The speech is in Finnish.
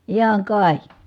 iän kai